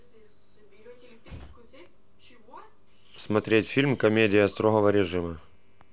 смотреть фильм комедия строгого режима